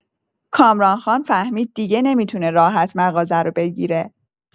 کامران‌خان فهمید دیگه نمی‌تونه راحت مغازه رو بگیره.